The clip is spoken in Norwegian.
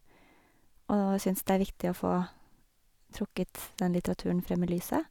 Og da hva jeg syns det er viktig å få trukket den litteraturen frem i lyset.